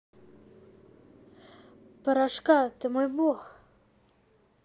порошка ты мой бог